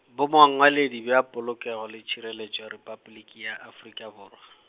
Bomangwaledi bja Polokego le Tšhireletšo Repabliki ya Afrika Borwa.